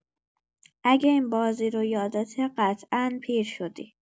اگه این بازی رو یادته قطعا پیر شدی